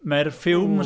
Mae'r fumes...